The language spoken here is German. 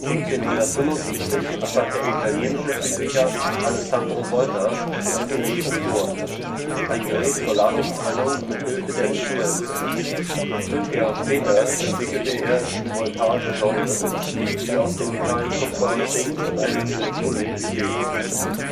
1775 erfand der italienische Physiker Alessandro Volta das Elektrophor, ein Gerät zur Ladungstrennung mit Hilfe der Influenz. Fünf Jahre später entwickelte er die Voltasche Säule, die aus den Metallen Kupfer und Zink und einem Elektrolyt besteht.